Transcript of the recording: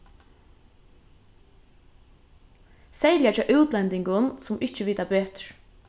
serliga hjá útlendingum sum ikki vita betur